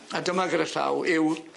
A dyma gyda llaw yw